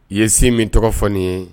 I ye si min tɔgɔ fɔ ye